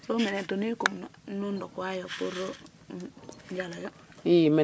so mene tenue kum nu ɗokwa yo pour njalooyo ?